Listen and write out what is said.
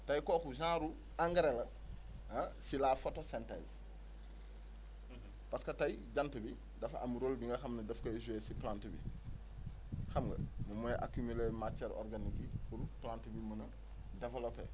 tey kooku genre engrais la ah si la photosynthèse parce :fa que tey jant bi dafa am rôle bi nga xam ni daf koy joué si plante bi xam nga mooy accumulé matières organique yi pour plante bi mën a développé